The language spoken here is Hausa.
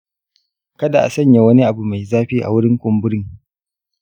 kada a sanya wani abu mai zafi a wurin kumburin.